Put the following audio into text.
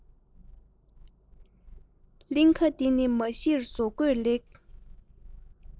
གླིང ག འདི ནི མ གཞིར བཟོ བཀོད ལེགས